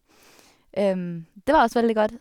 Det var også veldig godt.